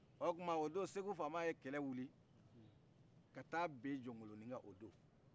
o kuma segu fama ye kɛlɛ wili ka bin jɔnkoloni kan o do